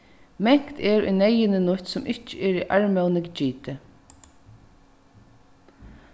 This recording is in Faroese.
mangt er í neyðini nýtt sum ikki er í armóðini gitið